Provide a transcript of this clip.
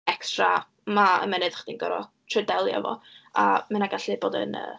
ecstra ma' ymennydd chdi'n gorod trio delio ef fo, a ma' hynna gallu bod yn, yy...